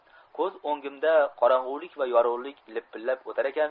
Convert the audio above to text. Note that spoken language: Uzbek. ko'z o'ngimda qorong'ulik va yorug'lik lipillab o'tarkan